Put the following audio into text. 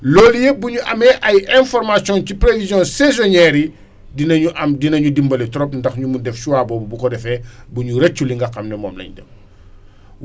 loolu yëpp bu ñu amee ay information ci prévisions saisonnières yi dinañu am dinañu dimbali trop ndax ñu mun def souvent boobu bu ko defee bu ñu rëccu li nga xam ne moom lañ def